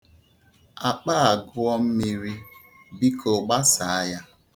Akpa a gụọ mmiri, biko gbasaa ya.